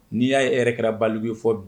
N'i y'a ye e yɛrɛ kɛra baliku ye fɔ bi